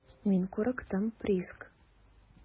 Мин курыктым, Приск.